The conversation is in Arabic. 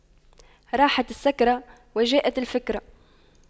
راحت السكرة وجاءت الفكرة